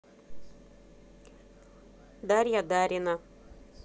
дарья дарина